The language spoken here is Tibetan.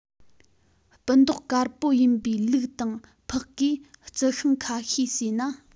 སྤུ མདོག དཀར པོ ཡིན པའི ལུག དང ཕག གིས རྩི ཤིང ཁ ཤས ཟོས ན